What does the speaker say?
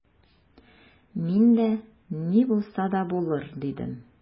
Мин дә: «Ни булса да булыр»,— дидем.